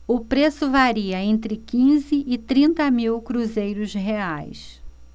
o preço varia entre quinze e trinta mil cruzeiros reais